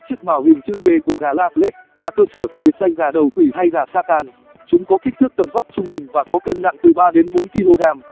chiếc mào hình chữ v của gà la flèche là cơ sở của biệt danh gà đầu quỷ hay gà satan chúng có kích thước tầm vóc trung bình và có cân nặng từ kg